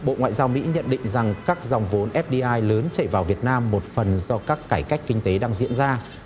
bộ ngoại giao mỹ nhận định rằng các dòng vốn ép đi ai lớn chạy vào việt nam một phần do các cải cách kinh tế đang diễn ra